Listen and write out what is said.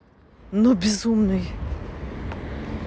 ну безумный